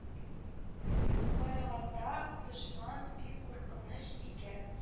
Караганда, «дошман» бик куркыныч икән